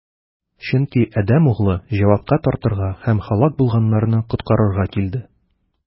Чөнки Адәм Углы җавапка тартырга һәм һәлак булганнарны коткарырга килде.